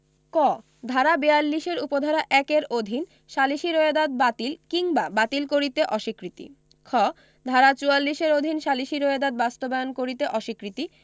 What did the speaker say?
ক ধারা ৪২ এর উপধারা ১ এর অধীন সালিসী রোয়েদাদ বাতিল কিংবা বাতিল করিতে অস্বীকৃতি খ ধারা ৪৪ এর অধীন সালিসী রোয়েদাদ বাস্তবায়ন করিতে অস্বীকৃতি